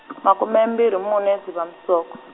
makume mbirhi mune Dzivamusoko.